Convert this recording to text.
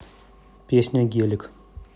песня гелик